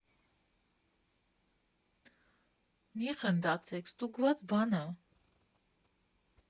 Մի խնդացեք, ստուգված բան ա։